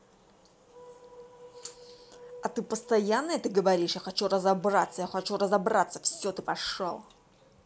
а ты постоянно это говоришь я хочу разобраться я хочу разобраться все ты пошел